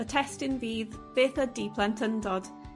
y testun bydd beth ydi plentyndod?